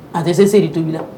A dɛsɛ se se tobi la